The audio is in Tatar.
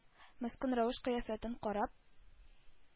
Мескен рәвеш-кыяфәтен карап,